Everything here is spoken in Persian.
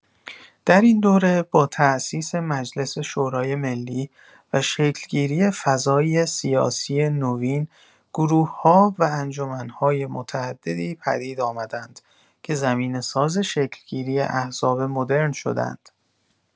در این دوره، با تأسیس مجلس شورای‌ملی و شکل‌گیری فضای سیاسی نوین، گروه‌ها و انجمن‌های متعددی پدید آمدند که زمینه‌ساز شکل‌گیری احزاب مدرن شدند.